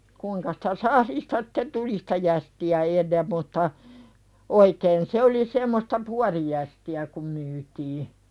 kuinka sitä sahdista sitten tuli sitä jästiä ennen mutta oikein se oli semmoista puotijästiä kun myytiin